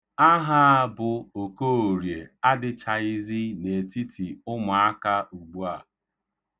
Aha a bụ Okoorie adịchaghịzi n'etiti ụmụaka ugbua.